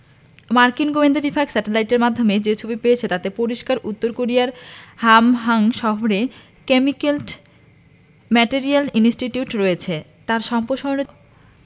মার্কিন গোয়েন্দা বিভাগ স্যাটেলাইটের মাধ্যমে যে ছবি পেয়েছে তাতে পরিষ্কার উত্তর কোরিয়ার হামহাং শহরে যে কেমিক্যাল ম্যাটেরিয়াল ইনস্টিটিউট রয়েছে তার সম্প্রসারণের